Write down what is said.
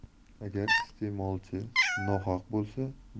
agar iste'molchi nohaq bo'lsa